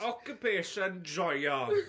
...occupation - joio!